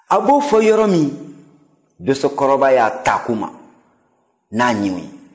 a b'o fɔ yɔrɔ min dosokɔrɔba y'a t'a kun ma n'a ɲinw ye